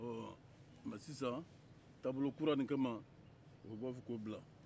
ɔɔ mɛ sisan taabolo kura nin kama u b'a fɛ k'o bila